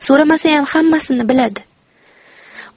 so'ramasayam hammasini biladi